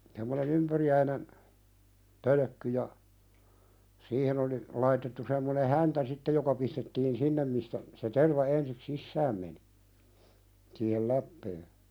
tämmöinen ympyriäinen pölkky ja siihen oli laitettu semmoinen häntä sitten joka pistettiin sinne mistä se terva ensi sisään meni siihen läpeen